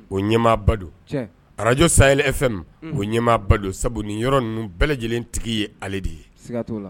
O ɲɛmaaba don, radio sahel fm o ɲamaaba don sabu nin yɔrɔ ninnu bɛɛ lajɛlen tigi ye ale de ye, siga t'o la